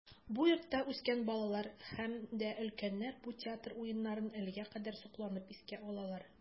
Бу йортта үскән балалар һәм дә өлкәннәр бу театр уеннарын әлегә кадәр сокланып искә алалар.